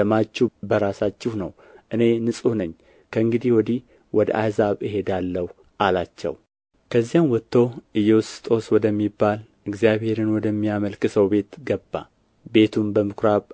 ደማችሁ በራሳችሁ ነው እኔ ንጹሕ ነኝ ከእንግዲህ ወዲህ ወደ አሕዛብ እሄዳለሁ አላቸው ከዚያም ወጥቶ ኢዮስጦስ ወደሚባል እግዚአብሔርን ወደሚያመልክ ሰው ቤት ገባ ቤቱም በምኩራብ